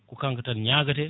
ko kanko tan ñaguete